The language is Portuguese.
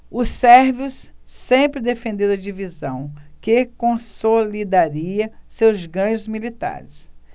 os sérvios sempre defenderam a divisão que consolidaria seus ganhos militares